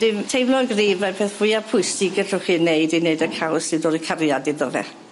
Dwi'n teimlo'n gryf mae'r peth fwya pwysig gallwch chi neud i neud y caws yw dodi cariad iddo fe.